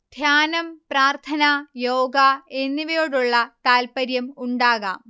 ധ്യാനം, പ്രാര്ത്ഥന, യോഗ എന്നിവയോടുള്ള താല്പര്യം ഉണ്ടാകാം